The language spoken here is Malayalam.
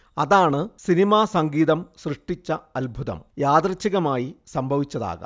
അതാണ് സിനിമാസംഗീതം സൃഷ്ടിച്ച അദ്ഭുതം യാദൃച്ഛികമായി സംഭവിച്ചതാകാം